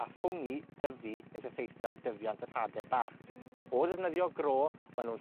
a ffwng 'i dyfu naeth effeithio ar dyfiant yr hade bach. O ddefnyddio gro, ma' nw'n